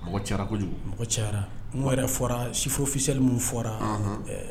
Mɔgɔ cɛyala kojugu, mɔgɔ cɛɛyala, mun yɛrɛ fɔla ,site officiellle _unhun, ɛɛ.